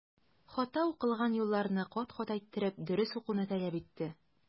Хата укылган юлларны кат-кат әйттереп, дөрес укуны таләп итте.